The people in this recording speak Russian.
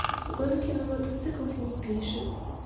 гонки на мотоциклах не пишет